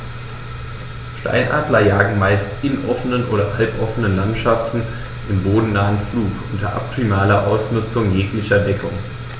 Steinadler jagen meist in offenen oder halboffenen Landschaften im bodennahen Flug unter optimaler Ausnutzung jeglicher Deckung.